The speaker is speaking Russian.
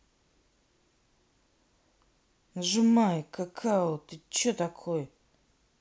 нажимай какао че ты такой